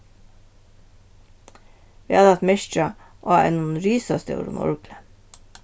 væl at merkja á einum risastórum orgli